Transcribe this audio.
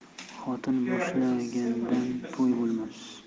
xotin boshlagandan to'y bo'lmas